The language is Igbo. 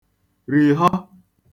rìhọ